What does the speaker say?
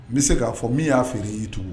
N bɛ se k'a fɔ min y'a feere y'i tugun